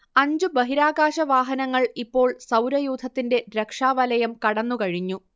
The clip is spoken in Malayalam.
അഞ്ചു ബഹിരാകാശവാഹനങ്ങൾ ഇപ്പോൾ സൗരയൂഥത്തിന്റെ രക്ഷാവലയം കടന്നുകഴിഞ്ഞു